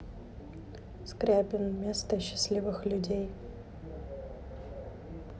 скрябин места счастливых людей